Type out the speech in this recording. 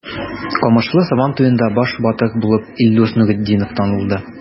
Камышлы Сабан туенда баш батыр булып Илдус Нуретдинов танылды.